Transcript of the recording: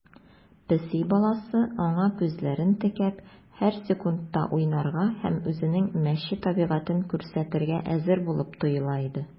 Песи баласы, аңа күзләрен текәп, һәр секундта уйнарга һәм үзенең мәче табигатен күрсәтергә әзер булып тоела иде.